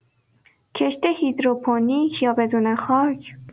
کشت هیدروپونیک یا بدون خاک